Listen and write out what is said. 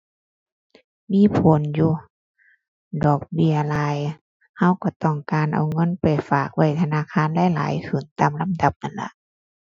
มีผลอยู่ ดอกเบี้ยหลายเราเราต้องการเอาเงินไปฝากไว้ธนาคารหลายหลายขึ้นตามลำดับนั่นล่ะ